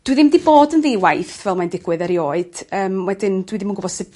dwi ddim 'di bod yn di-waith fel mae'n digwydd erioed yym wedyn dwi ddim yn gwbo sut